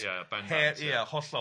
ie bendant. Ie hollol.